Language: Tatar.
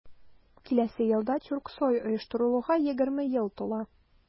Киләсе елда Тюрксой оештырылуга 20 ел тула.